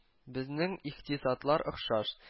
Безнең икътисадлар охшаш –